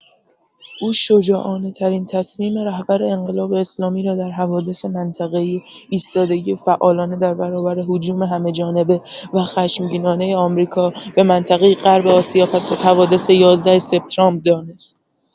او شجاعانه‌ترین تصمیم رهبر انقلاب اسلامی را در حوادث منطقه‌ای ایستادگی فعالانه در برابر هجوم همه‌جانبه و خشمگینانۀ آمریکا به منطقۀ غرب آسیا پس از حوادث ۱۱ سپتامبر دانست.